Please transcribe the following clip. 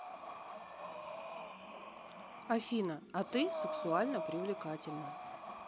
афина а ты сексуально привлекательна